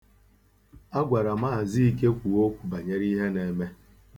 A gwara Mz. Ike kwuo okwu banyere ihe na-eme.